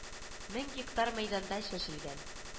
Мең гектар мәйданда чәчелгән